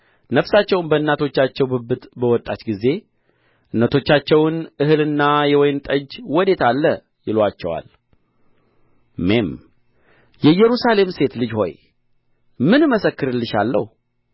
ነፍሳቸውም በእናቶቻቸው ብብት በወጣች ጊዜ እናቶቻቸውን እህልና የወይን ጠጅ ወዴት አለ ይሉአቸዋል ሜም የኢየሩሳሌም ሴት ልጅ ሆይ ምን እመሰክርልሻለሁ